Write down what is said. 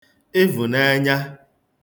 ịvhụ̀nẹẹnya